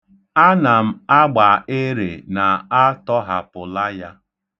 Ana m agba ere na a tọhapụla ya.